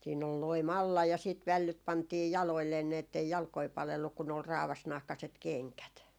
siinä oli loimi alla ja sitten vällyt pantiin jaloilleen niin että ei jalkoja palellut kun oli raavasnahkaiset kengät